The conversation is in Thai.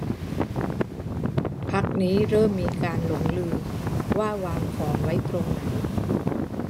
พักนี้เริ่มมีการหลงลืมว่าวางของไว้ตรงไหน